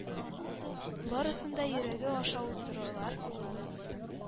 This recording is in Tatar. Барысын да йөрәге аша уздырулар…